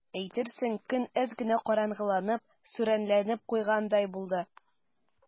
Әйтерсең, көн әз генә караңгыланып, сүрәнләнеп куйгандай булды.